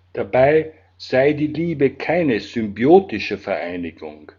Dabei sei die Liebe keine symbiotische Vereinigung